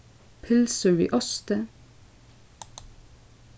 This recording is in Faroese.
pylsur við osti